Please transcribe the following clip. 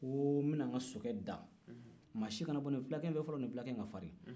ko n bɛna n ka sokɛ da maa si kana bɔ nin fulakɛ in fɛ nin fulakɛ in ka farin